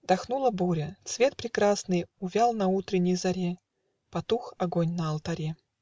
Дохнула буря, цвет прекрасный Увял на утренней заре, Потух огонь на алтаре!.